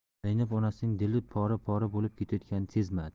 zaynab onasining dili pora pora bo'lib ketayotganini sezmadi